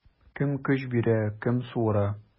Кем көч бирә, кем суыра.